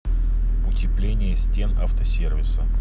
утепление стен автосервиса